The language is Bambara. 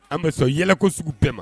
An bɛ sɔn yɛlɛko sugu bɛɛ ma.